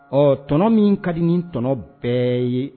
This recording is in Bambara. Ɔ tɔnɔ min ka di ni tɔɔnɔ bɛɛ ye